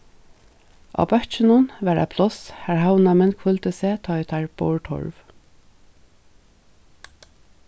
á bøkkinum var eitt pláss har havnarmenn hvíldu seg tá ið teir bóru torv